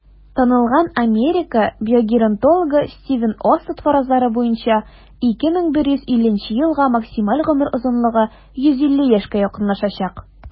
Танылган Америка биогеронтологы Стивен Остад фаразлары буенча, 2150 елга максималь гомер озынлыгы 150 яшькә якынлашачак.